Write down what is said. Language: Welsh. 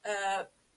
Yy.